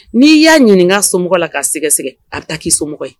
N'i y'a ɲininkaka somɔgɔ la ka sɛgɛgɛ a bɛ taa k' so